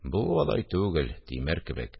– бу алай түгел, тимер кебек